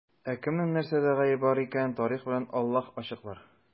Ә кемнең нәрсәдә гаебе бар икәнен тарих белән Аллаһ ачыклар.